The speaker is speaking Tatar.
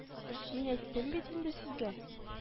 Мин әйттем бит инде сезгә